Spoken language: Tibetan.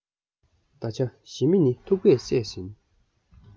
ད ཆ ཞི མི ནི ཐུག པས བསད ཟིན